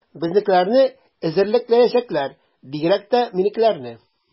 Безнекеләрне эзәрлекләячәкләр, бигрәк тә минекеләрне.